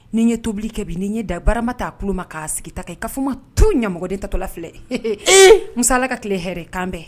Ni ye tobili kɛ ni ɲɛ da barama t taa kulu ma k'a sigi ta kɛ i kaa kuma ma to ɲɛmɔgɔden tatɔla filɛ mula ka tile hɛrɛ kan bɛn